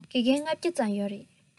དགེ རྒན ༥༠༠ ཙམ ཡོད རེད